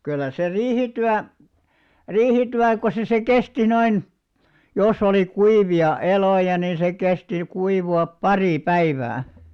kyllä se riihityö riihityö kun se se kesti noin jos oli kuivia eloja niin se kesti kuivua pari päivää